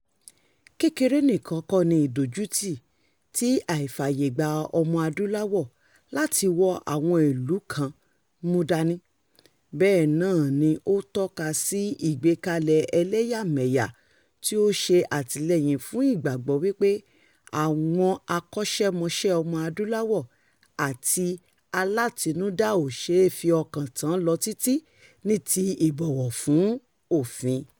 Kékeré nìkan kọ́ ni ìdójútì tí àìfàyègba Ọmọ-adúláwọ̀ láti wọ àwọn illú kan ń mú dání — bẹ́ẹ̀ náà ni ó ń tọ́ka sí ìgbékalẹ̀ ẹlẹ́yàmẹyà tí ó ń ṣe àtillẹ́yìn fún ìgbàgbọ́ wípé àwọn akọ́ṣẹ́mọṣẹ Ọmọ-adúláwọ̀ àti alátinúdá ò ṣe é fi ọkàn tàn lọ títí ni ti ìbọ̀wọ̀ fún òfín dé.